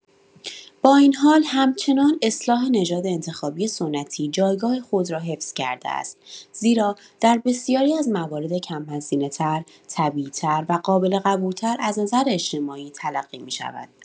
با این حال، همچنان اصلاح نژاد انتخابی سنتی جایگاه خود را حفظ کرده است، زیرا در بسیاری از موارد کم‌هزینه‌تر، طبیعی‌تر و قابل‌قبول‌تر از نظر اجتماعی تلقی می‌شود.